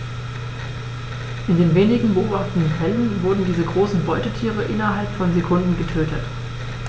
In den wenigen beobachteten Fällen wurden diese großen Beutetiere innerhalb von Sekunden getötet.